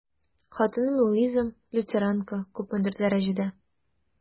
Хатыным Луиза, лютеранка, күпмедер дәрәҗәдә...